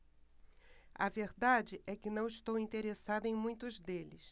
a verdade é que não estou interessado em muitos deles